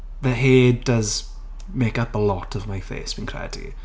The hair does make up a lot of my face fi'n credu.